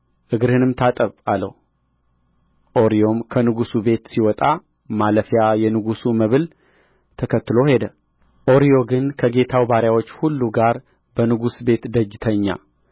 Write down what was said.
እግርህንም ታጠብ አለው ኦርዮም ከንጉሡ ቤት ሲወጣ ማለፊያ የንጉሥ መብል ተከትሎት ሄደ ኦርዮ ግን ከጌታው ባሪያዎች ሁሉ ጋር በንጉሥ ቤት ደጅ ተኛ